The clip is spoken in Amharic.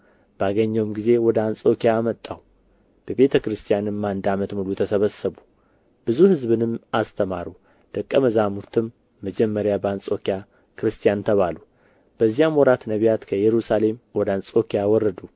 ባገኘውም ጊዜ ወደ አንጾኪያ አመጣው በቤተ ክርስቲያንም አንድ ዓመት ሙሉ ተሰበሰቡ ብዙ ሕዝብንም አስተማሩ ደቀ መዛሙርትም መጀመሪያ በአንጾኪያ ክርስቲያን ተባሉ በዚያም ወራት ነቢያት ከኢየሩሳሌም ወደ አንጾኪያ ወረዱ